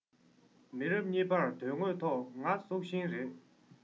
མི རབས གཉིས པར དོན དངོས ཐོག ང སྲོག ཤིང རེད